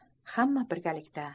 hamma birgalikda